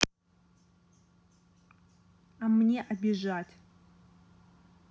а мне обижать